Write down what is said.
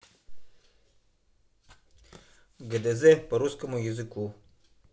гдз по русскому языку